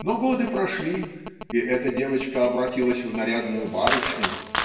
" Но годы прошли, и эта девочка обратилась в нарядную барышню